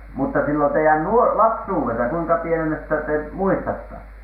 mutta silloin teidän - lapsuudessa kuinka pienenä sitä te muistatte